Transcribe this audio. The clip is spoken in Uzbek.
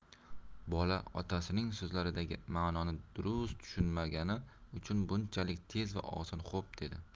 bola otasining so'zlaridagi manoni durust tushunmagani uchun bunchalik tez va oson xo'p dedi